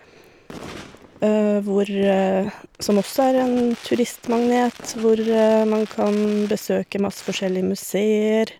hvor Som også er en turistmagnet, hvor man kan besøke masse forskjellige museer.